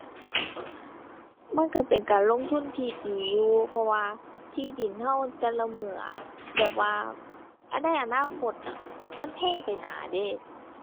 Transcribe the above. มันก็เป็นการลงทุนที่ดีอยู่ เพราะว่าที่ดินก็แต่ละมื้ออะ แบบว่าอันในอนาคตน่ะ มันแพงไปหน้าเด้